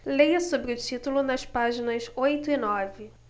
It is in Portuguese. leia sobre o título nas páginas oito e nove